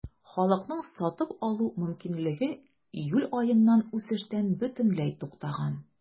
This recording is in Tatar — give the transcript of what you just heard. Халыкның сатып алу мөмкинлеге июль аеннан үсештән бөтенләй туктаган.